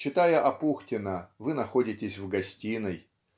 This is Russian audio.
Читая Апухтина, вы находитесь в гостиной.